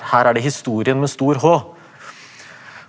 her er det historien med stor H.